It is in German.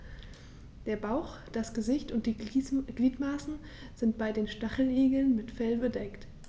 Der Bauch, das Gesicht und die Gliedmaßen sind bei den Stacheligeln mit Fell bedeckt.